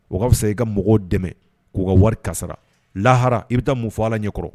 O ka fisa i ka mɔgɔw dɛmɛ k'u ka wari kasara lahara i be taa mun fɔ Ala ɲɛ kɔrɔ